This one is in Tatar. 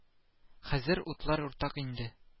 Хәзер утлар уртак инде